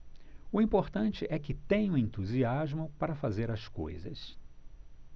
o importante é que tenho entusiasmo para fazer as coisas